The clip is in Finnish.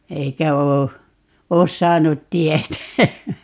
eikä ole ole saanut tietää